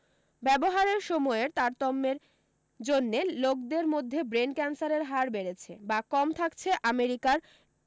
ব্যবহারের সময়ের তারতম্যের জন্যে লোকেদের মধ্যে ব্রেন ক্যানসারের হার বেড়েছে বা কম থাকছে আমেরিকার